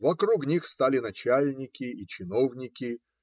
Вокруг них стали начальники да чиновники.